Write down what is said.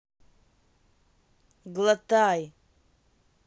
глотай